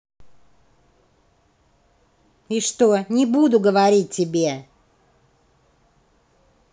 и что не буду говорить тебе